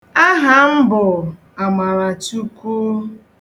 Aha m bụ Amarachukwu.